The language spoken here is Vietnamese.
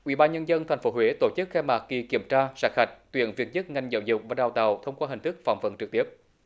ủy ban nhân dân thành phố huế tổ chức khai mạc kỳ kiểm tra sát hạch tuyển viên chức ngành giáo dục và đào tạo thông qua hình thức phỏng vấn trực tiếp